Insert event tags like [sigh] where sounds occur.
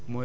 [hesitation] [hesitation]